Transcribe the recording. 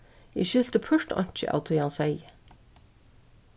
eg skilti púrt einki av tí hann segði